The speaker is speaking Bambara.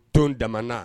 Ton dama